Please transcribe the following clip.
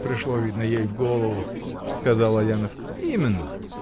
пришло, видно, ей в голову, — сказал Аянов. — Именно.